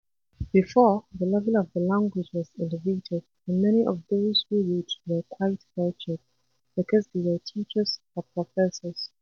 Before, the level of the language was elevated and many of those who wrote were quite cultured because they were teachers or professors.